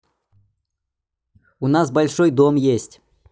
у нас большой дом есть